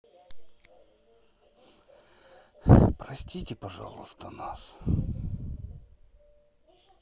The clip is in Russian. простите пожалуйста нас